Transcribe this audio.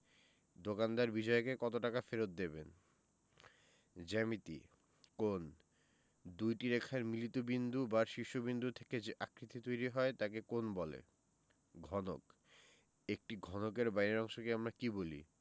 দোকানদার বিজয়কে কত টাকা ফেরত দেবেন জ্যামিতিঃ কোণঃ দুইটি রেখার মিলিত বিন্দু বা শীর্ষ বিন্দু থেকে যে আকৃতি তৈরি হয় তাকে কোণ বলে ঘনকঃ একটি ঘনকের বাইরের অংশকে আমরা কী বলি